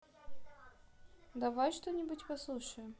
давай что нибудь послушаем